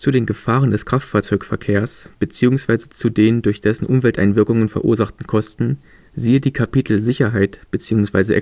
den Gefahren des Kraftfahrzeugverkehrs beziehungsweise zu den durch dessen Umwelteinwirkungen verursachten Kosten siehe die Kapitel Sicherheit bzw.